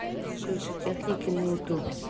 чудо техники на ютубе